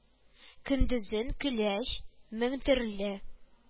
Көндезен көләч, мең төрле